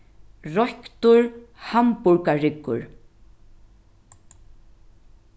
royktur hamburgarryggur